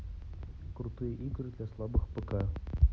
крутые игры для слабых пк